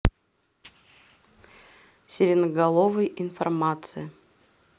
сиреноголовый информация